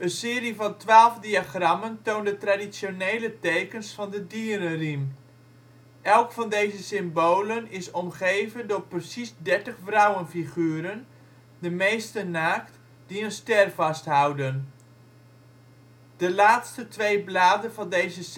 serie van twaalf diagrammen toont de traditionele tekens van de dierenriem. Elk van deze symbolen is omgeven door precies dertig vrouwenfiguren, de meeste naakt, die een ster vasthouden. De laatste twee bladen van deze